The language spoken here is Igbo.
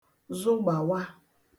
zụgbàwa